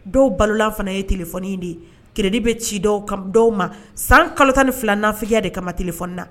Dɔw balola fana ye téléphone de ye crédit bɛ ci dɔw ma san kalo 12